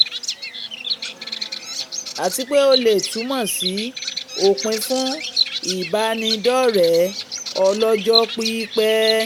Àtipé o leè túmọ̀ sí òpin fún ìbánidọ́ọ̀rẹ́ ọlọ́jọ́ pípẹ́.